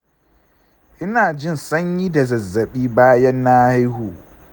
ina jin sanyi da zazzaɓi bayan na haihu